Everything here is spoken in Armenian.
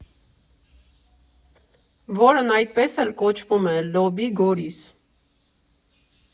Որն այդպես էլ կոչվում է ՝ Լոբի Գորիս։